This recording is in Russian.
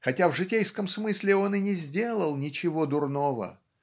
хотя в житейском смысле он и не сделал ничего дурного.